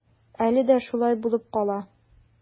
Әле дә шулай булып кала.